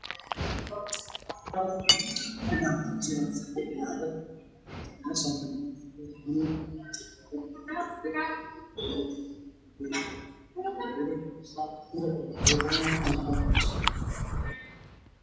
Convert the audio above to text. Waa eelaboorka aadan cade international aylaboor